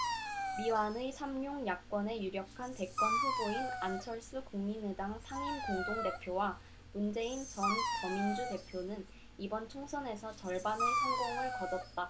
미완의 삼룡 야권의 유력한 대권후보인 안철수 국민의당 상임공동대표와 문재인 전 더민주 대표는 이번 총선에서 절반의 성공을 거뒀다